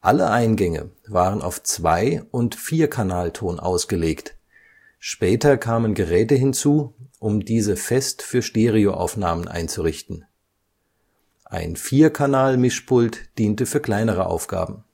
Alle Eingänge waren auf Zwei - und Vier-Kanalton ausgelegt, später kamen Geräte hinzu, um diese fest für Stereo-Aufnahmen einzurichten. Ein 4-Kanal-Mischpult diente für kleinere Aufgaben. Zur